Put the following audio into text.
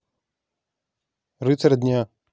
рыцарь дня